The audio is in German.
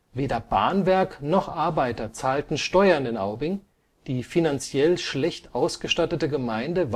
Weder Bahnwerk noch Arbeiter zahlten Steuern in Aubing, die finanziell schlecht ausgestattete Gemeinde